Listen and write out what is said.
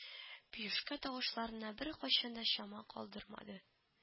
Биюшкә тавышланырга беркайчан да чама калдырмады